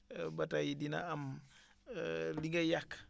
ba tey dina am li ngay yàq